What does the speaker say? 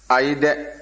ayi dɛ